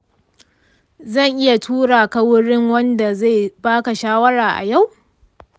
zan iya tura ka wurin wanda zai baka shawara a yau.